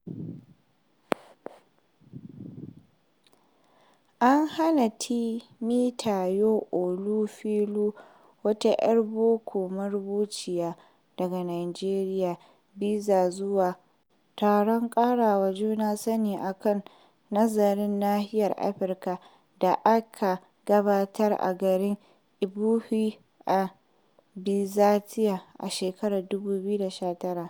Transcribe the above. An hana Temitayo Olofinlua, wata 'yar boko marubuciya daga Nijeriya, bizar zuwa taron ƙarawa juna sani a kan nazarin nahiyar Afirka da aka gabatar a garin Edinburgh a Birtaniya a shekarar 2019.